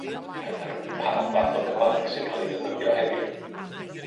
penderfynu pa fath o Gymraeg sy'n ca'l ei defnyddio heddiw.